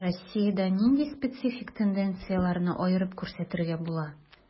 Ә Россиядә нинди специфик тенденцияләрне аерып күрсәтергә була?